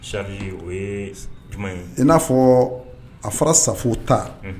Sali o ye j ye in n'a fɔ a fara safo ta